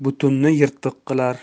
butunni yirtiq qilar